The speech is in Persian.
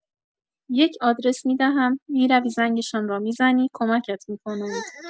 یک آدرس می‌دهم، می‌روی زنگشان را می‌زنی، کمکت می‌کنند.